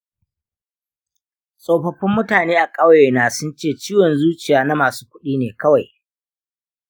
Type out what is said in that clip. tsofaffin mutane a ƙauyena sun ce ciwon zuciya na masu kuɗi ne kawai